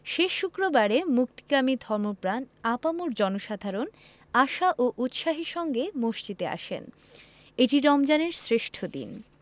শেষ শুক্রবারে মুক্তিকামী ধর্মপ্রাণ আপামর জনসাধারণ আশা ও উৎসাহের সঙ্গে মসজিদে আসেন এটি রমজানের শ্রেষ্ঠ দিন